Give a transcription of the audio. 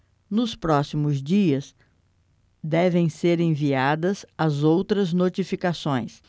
nos próximos dias devem ser enviadas as outras notificações